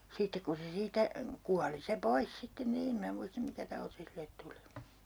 sitten kun se siitä kuoli se pois sitten niin en minä muista mikä tauti sille tuli